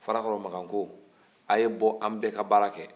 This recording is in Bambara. farakɔrɔ makan ko a' ye bɔ a ka baara kɛ